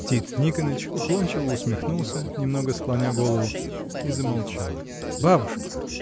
Тит Никоныч уклончиво усмехнулся, немного склоня голову, и замолчал. — Бабушка!